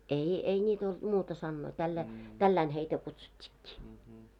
ei ei niitä ollut muuta sanoja tällä lailla tällä lailla heitä kutsuttiinkin